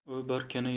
u bir kuni